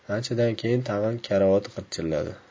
anchadan keyin tag'in karavot g'irchilladi